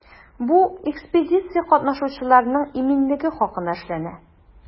Бу экспедициядә катнашучыларның иминлеге хакына эшләнә.